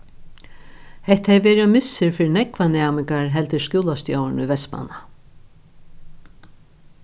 hetta hevði verið ein missur fyri nógvar næmingar heldur skúlastjórin í vestmanna